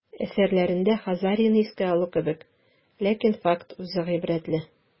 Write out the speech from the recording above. Әсәрләрендә Хазарияне искә алу кебек, ләкин факт үзе гыйбрәтле.